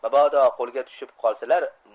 mabodo qo'lga tushib qolsalar